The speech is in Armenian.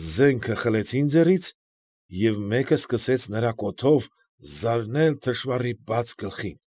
Զենքը խլեցին ձեռքից, և մեկը սկսեց նրա կոթով զարնել թշվառի բաց գլխին։